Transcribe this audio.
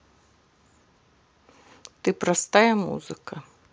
ты простая музыка